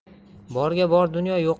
borga bor dunyo